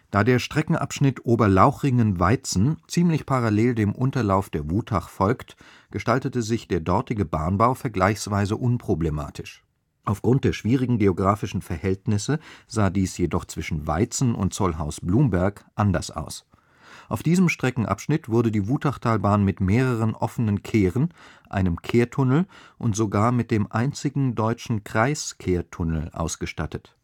Da der Streckenabschnitt Oberlauchringen – Weizen ziemlich parallel dem Unterlauf der Wutach folgt, gestaltete sich der dortige Bahnbau vergleichsweise unproblematisch. Aufgrund der schwierigen geographischen Verhältnisse sah dies jedoch zwischen Weizen und Zollhaus-Blumberg anders aus: Auf diesem Streckenabschnitt wurde die Wutachtalbahn mit mehreren offenen Kehren, einem Kehrtunnel und sogar mit dem einzigen deutschen Kreiskehrtunnel ausgestattet